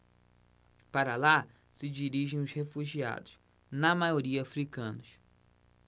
para lá se dirigem os refugiados na maioria hútus